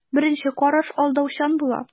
Беренче караш алдаучан була.